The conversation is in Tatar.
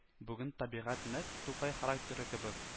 Бүген табигать нәкъ тукай характеры кебек: